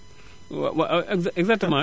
waaw % exactement